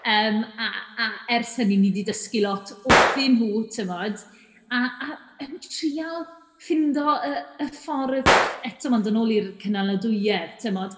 Yym, a a ers hynny ni 'di dysgu lot wrthyn nhw, timod, a a yn treial ffeindio y y ffordd... eto, mae'n dod nôl i'r cynaliadwyedd, timod.